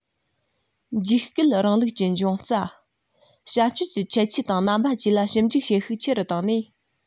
འཇིགས སྐུལ རིང ལུགས འབྱུང རྩ བྱ སྤྱོད ཀྱི ཁྱད ཆོས དང རྣམ པ བཅས ལ ཞིབ འཇུག བྱེད ཤུགས ཆེ རུ བཏང ནས